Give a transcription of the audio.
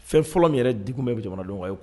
Fɛn fɔlɔ min yɛrɛ d min bɛ jamana don kan ye